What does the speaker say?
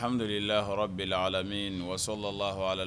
Hadulaha bɛɛla ala la min wasola laha alala